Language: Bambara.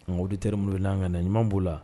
Nkabite minnu' kan na ɲuman b'o la